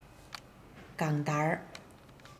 གང ལྟར